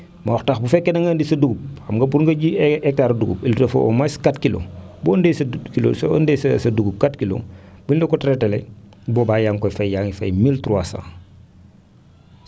moo tax bu fekkee da nga indi sa dugub xam nga pour nga ji ay hectares dugub il te faut au moins 4 kilos boo indee sa du kilo boo indee sa dugub ' kilos bu énu la ko traité bu boobaa yaa ngi koy fay yaa ngi fay 1300